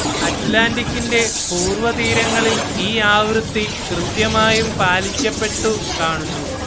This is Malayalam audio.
അറ്റ്ലാന്റിക്ക്കിന്റെ പൂർവതീരങ്ങളിൽ ഈ ആവൃത്തി കൃത്യമായും പാലിക്കപ്പെട്ടു കാണുന്നു